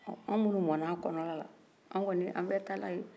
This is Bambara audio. anw minnuw mɔna a kɔnɔ an kɔni an bɛ taa n' a ye